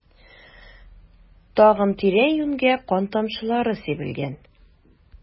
Тагын тирә-юньгә кан тамчылары сибелгән.